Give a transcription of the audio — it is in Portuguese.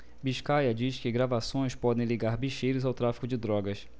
biscaia diz que gravações podem ligar bicheiros ao tráfico de drogas